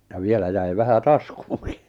ja vielä jäi vähän taskuunkin